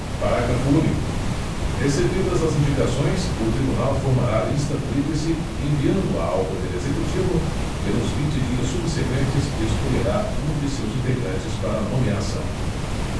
parágrafo único recebidas as indicações o tribunal formará lista tríplice enviando a ao poder executivo que nos vinte dias subseqüentes escolherá um de seus integrantes para nomeação